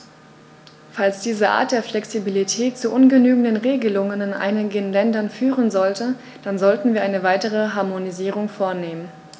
Falls diese Art der Flexibilität zu ungenügenden Regelungen in einigen Ländern führen sollte, dann sollten wir eine weitere Harmonisierung vornehmen.